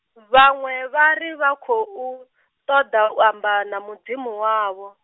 vhaṅwe vhari vha khou, ṱoḓa u amba na Mudzimu wavho.